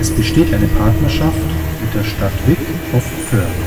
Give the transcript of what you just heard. besteht eine Partnerschaft mit der Stadt Wyk auf Föhr